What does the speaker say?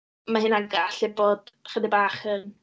ma' hynna'n gallu bod chydig bach yn...